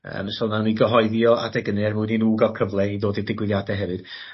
Yym so nawn ni gyhoeddi o adeg ynny er mwyn i n'w ga'l cyfle i ddod i'r digwyddiade hefyd